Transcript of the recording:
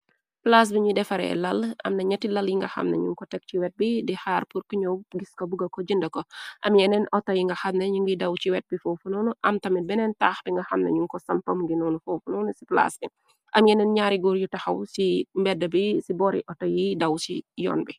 Plaas bi ñuy defaree làl amna ñatti lal yi nga xam nañu ko teg ci wet bi di haarpourk ñoow gis ko buga ko jëndë ko am yeneen outo yi nga xadna ñu ngi daw ci wet bi foofunoonu am tamit benneen taax bi nga xam nañu ko sampam gi noonu foofunoonu ci plaas gi am yeneen ñaari góur yu taxaw ci mbedd bi ci bori auto yiy daw ci yoon bi.